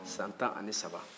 san tan ni saba